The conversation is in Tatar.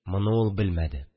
Моны ул белмәде